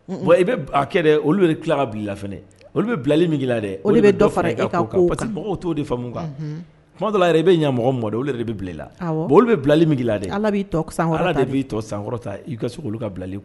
Un, un, bon , i bɛ a kɛ olu tila ka bila i la fana. Olu bɛ bilali min kɛ i la dɛ, o de bɛ dɔ fara i ka kow kan. parce que mɔgɔw tɛ o de faamu quoi , unhun, tuma dɔw la yɛrɛ i bɛ ɲɛ mɔgɔ minnu ma olu de bɛ bila i la, Awɔ, bon olu bɛ bilali min k'i la, Ala b'i tɔ sankɔrɔta, Ala de b'i tɔ sankɔrɔta i ka se k'olu ka bilali